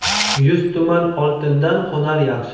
yuz tuman oltindan hunar yaxshi